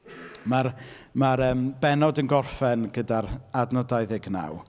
Ma'r ma'r yym, bennod yn gorffen gyda'r adnod dau ddeg naw.